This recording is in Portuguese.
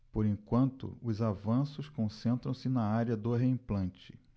por enquanto os avanços concentram-se na área do reimplante